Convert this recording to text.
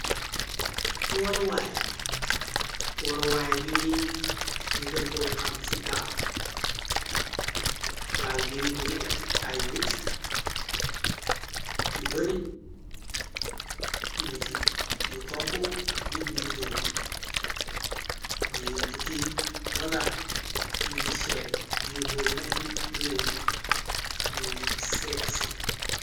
Waruwaay la waruwaay biini ñu gënkoy xam ci gaal gaal gi mëngi épp ay nit yu bari niti yu xonko ak nit ñu ñuul ñiy tukki wala ñiy seete juge ko yeneen réew ñëw seet si.